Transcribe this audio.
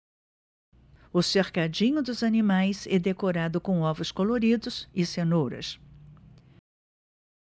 o cercadinho dos animais é decorado com ovos coloridos e cenouras